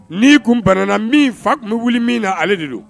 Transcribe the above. Ni tun bana min, fa tun bɛ wili min na ale de do.